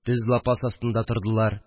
Төз лапас астында тордылар